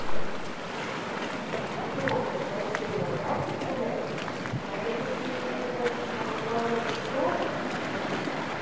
ветровка хотел на парке погулять а это а ты уже просили отправлять что